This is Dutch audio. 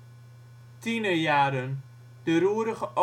Tienerjaren, de roerige